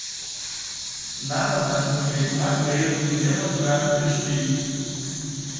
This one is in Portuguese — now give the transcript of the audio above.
nada mais que um jeito matreiro de demonstrar prestígio